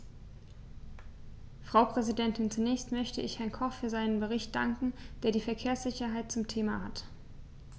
Frau Präsidentin, zunächst möchte ich Herrn Koch für seinen Bericht danken, der die Verkehrssicherheit zum Thema hat.